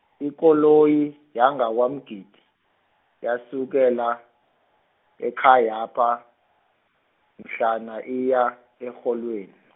ikoloyi, yangakwaMgidi, yasukela, ekhayapha, mhlana iya, erholweni.